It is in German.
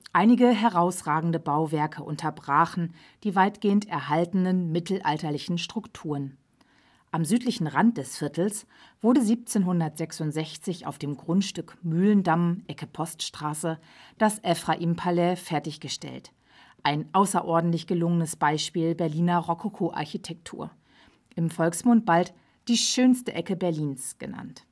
Einige herausragende Bauwerke unterbrachen die weitgehend erhaltenen mittelalterlichen Strukturen. Am südlichen Rand des Viertels wurde 1766 auf dem Grundstück Mühlendamm Ecke Poststraße das Ephraim-Palais fertiggestellt, ein außerordentlich gelungenes Beispiel Berliner Rokokoarchitektur, im Volksmund bald „ die schönste Ecke Berlins “genannt